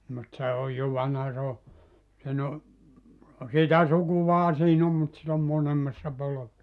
mutta se on jo vanha se on sen on sitä sukuahan siinä on mutta sitten on molemmassa -